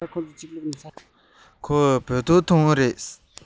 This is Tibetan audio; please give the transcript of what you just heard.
ཁོང བོད ཐུག མཆོད ཀྱི རེད པས